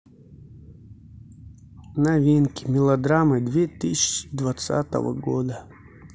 новинки мелодрамы две тысячи двадцатого года